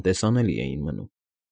Անտեսանելի էին մնում։